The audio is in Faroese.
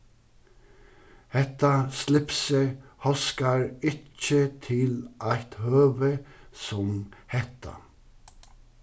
hetta slipsið hóskar ikki til eitt høvi sum hetta